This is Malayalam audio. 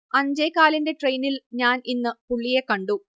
അഞ്ചേകാലിന്റെ ട്രെയിനിൽ ഞാൻ ഇന്ന് പുള്ളിയെ കണ്ടു